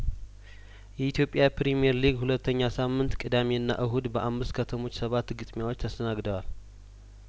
የኢትዮጵያ ፕሪምየር ሊግ ሁለተኛ ሳምንት ቅዳሜና እሁድ በአምስት ከተሞች ሰባት ግጥሚያዎች ተስተናግደዋል